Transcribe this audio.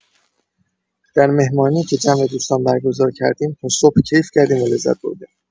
در مهمانی که جمع دوستان برگزار کردیم، تا صبح کیف کردیم و لذت بردیم.